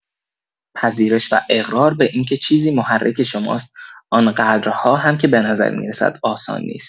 پذیرش و اقرار به اینکه چیزی محرک شماست آن‌قدرها هم که به نظر می‌رسد آسان نیست!